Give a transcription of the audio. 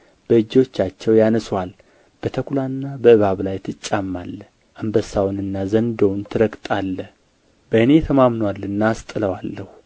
በእጆቻቸው ያነሡሃል በተኵላና በእባብ ላይ ትጫማለህ አንበሳውንና ዘንዶውን ትረግጣለህ በእኔ ተማምኖአልና አስጥለዋለሁ